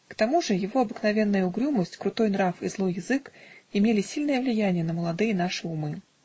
к тому же его обыкновенная угрюмость, крутой нрав и злой язык имели сильное влияние на молодые наши умы.